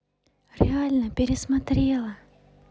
реально пересмотрела